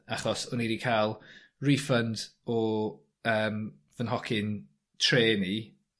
Achos o'n i 'di ca'l refund o yym fy nhocyn trên i...